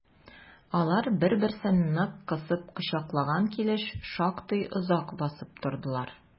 Алар бер-берсен нык кысып кочаклаган килеш шактый озак басып тордылар.